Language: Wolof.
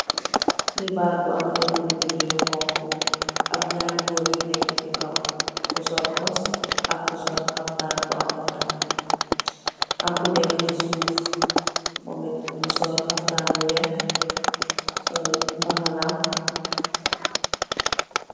Xibarr bu am ay bindi bindi yu xonxu, am ñaari gór yu nekka ci kaw ku kos ak ku sol xaptan bu am mbàxna. Am ku nekka ci suuf momit mu sol xaptan bu wèèx sol mbàxna nam.